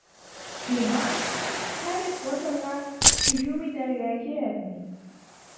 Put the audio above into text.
Сиңа Һарри Поттерга һөҗүм итәргә кирәкми.